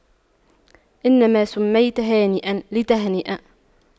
إنما سُمِّيتَ هانئاً لتهنأ